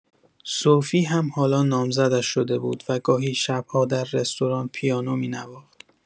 سوفی هم حالا نامزدش شده بود و گاهی شب‌ها در رستوران پیانو می‌نواخت.